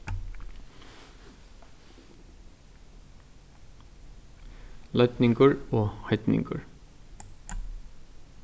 leidningur og heidningur